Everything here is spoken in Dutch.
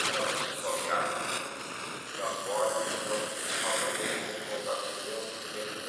augustus dat jaar bracht Warner het nog op de schappen liggende contractueel verplichte